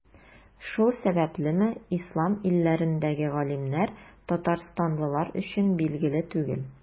Шул сәбәплеме, Ислам илләрендәге галимнәр Татарстанлылар өчен билгеле түгел.